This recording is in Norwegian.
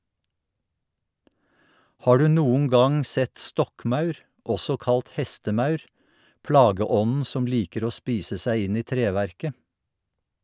Har du noen gang sett stokkmaur, også kalt hestemaur, plageånden som liker å spise seg inn i treverket?